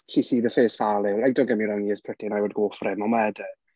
She's seen it face value. Like don't get me wrong he is pretty and I'd go for him. Ond wedyn...